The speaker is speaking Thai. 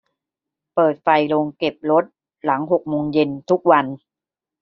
เปิดไฟโรงเก็บรถหลังหกโมงเย็นทุกวัน